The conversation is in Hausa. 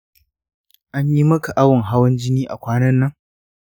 anyi maka awun hawan jini a kwanan nan?